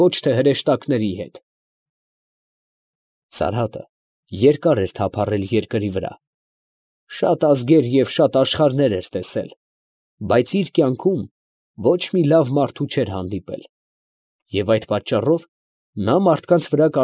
Ոչ թե հրեշտակների հետ… Սարհատը երկար էր թափառել երկրի վրա, շատ ազգեր և շատ աշխարհներ էր տեսել, բայց իր կյանքում ոչ մի լավ մարդու չէր հանդիպել, և այդ պատճառով նա մարդկանց վրա։